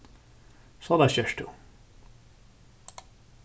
soleiðis gert tú